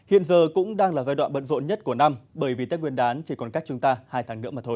hiện giờ cũng đang là giai đoạn bận dộn nhất của năm bởi vì tết nguyên đán chỉ còn cách chúng ta hai tháng nữa mà thôi